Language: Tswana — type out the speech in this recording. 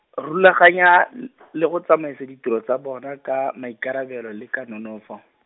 rulaganya l- , le go tsamaisa ditiro tsa bona ka maikarabelo le ka nonofo.